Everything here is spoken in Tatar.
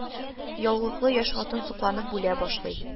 Яулыклы яшь хатын сокланып бүлә башлый